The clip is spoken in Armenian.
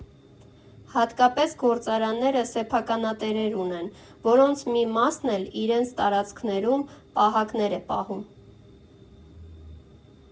Հատկապես գործարանները սեփականատերեր ունեն, որոնց մի մասն էլ իրենց տարածքներում պահակներ է պահում։